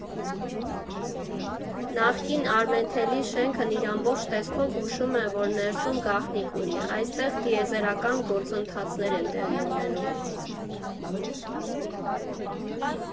Նախկին «ԱրմենՏել»֊ի շենքն իր ամբողջ տեսքով հուշում է, որ ներսում գաղտնիք ունի, այստեղ տիեզերական գործընթացներ են տեղի ունենում։